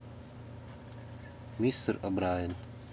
мистер обрайен